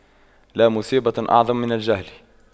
لا مصيبة أعظم من الجهل